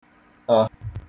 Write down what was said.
ō